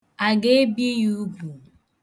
A ga-ebi ya ugwu?